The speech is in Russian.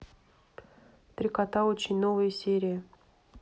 три кота очень новые серии